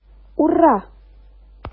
Ура!